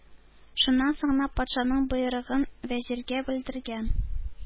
Шуннан соң гына патшаның боерыгын вәзиргә белдергән.